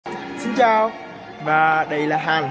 xin chào và đây là hanz